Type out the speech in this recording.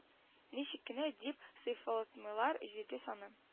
Ничек кенә дип сыйфалатмыйлар җиде санын